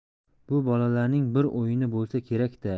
bu bolalarning bir o'yini bo'lsa kerak da